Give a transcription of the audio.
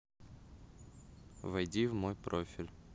войди в мой профиль